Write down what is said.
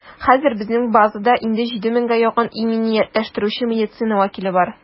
Хәзер безнең базада инде 7 меңгә якын иминиятләштерүче медицина вәкиле бар.